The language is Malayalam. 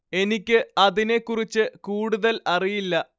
എനിക്ക് അതിനെ കുറിച്ച് കൂടുതല്‍ അറിയില്ല